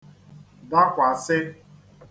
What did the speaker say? dakwàsị